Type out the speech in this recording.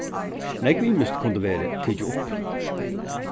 nógv ymiskt kundi verið tikið upp